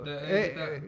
että ei sitä